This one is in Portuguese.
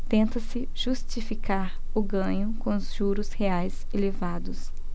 tenta-se justificar o ganho com os juros reais elevados